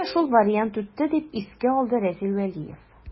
Менә шул вариант үтте, дип искә алды Разил Вәлиев.